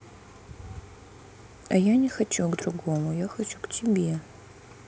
а я не хочу к другому я хочу к тебе